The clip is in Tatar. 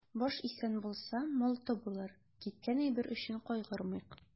Баш исән булса, мал табылыр, киткән әйбер өчен кайгырмыйк.